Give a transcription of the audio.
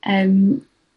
Yym.